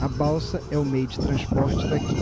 a balsa é o meio de transporte daqui